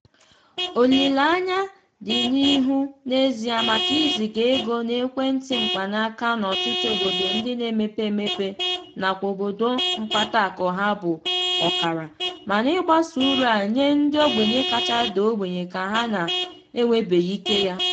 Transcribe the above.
Olileanya dị n'ihu n'ezie maka iziga ego n'ekwentị mkpanaaka n'ọtụtụ obodo ndị na-emepe emepe nakwa obodo mkpataakụ ha bụ ọkara mana ịgbasa ụrụ a nye ndị ogbenye kacha daa ogbenye ka ha na-enwebeghị ike ya.